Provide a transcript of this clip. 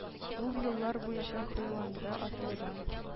Ул еллар буенча хыялында асраган